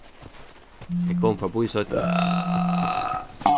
eg komi forbí seinni